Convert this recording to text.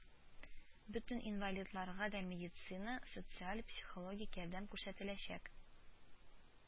Бөтен инвалидларга да медицина, социаль, психологик ярдәм күрсәтеләчәк